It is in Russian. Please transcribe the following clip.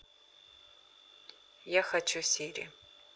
я хочу сири